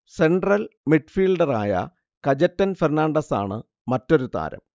central മിഡ്ഫീൽഡറായ കജെറ്റൻ ഫെർണാണ്ടസാണ് മറ്റൊരു താരം